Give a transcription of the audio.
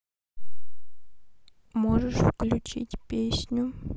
можешь включить песню